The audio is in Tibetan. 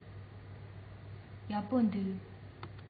ཡག པོ འདུག